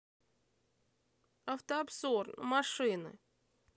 автообзор на машины